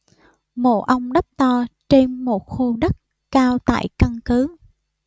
mộ ông đắp to trên một khu đất cao tại căn cứ